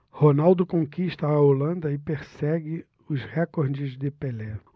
ronaldo conquista a holanda e persegue os recordes de pelé